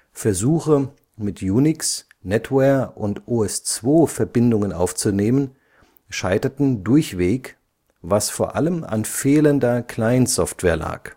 Versuche, mit Unix, NetWare, und OS/2 Verbindungen aufzunehmen, scheiterten durchweg, was vor allem an fehlender Clientsoftware lag